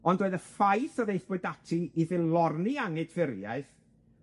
Ond roedd y ffaith a ddaethpwyd ati i ddilorni angydffurfiaeth